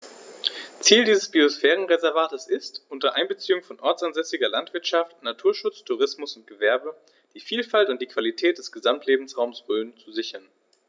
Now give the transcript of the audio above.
Ziel dieses Biosphärenreservates ist, unter Einbeziehung von ortsansässiger Landwirtschaft, Naturschutz, Tourismus und Gewerbe die Vielfalt und die Qualität des Gesamtlebensraumes Rhön zu sichern.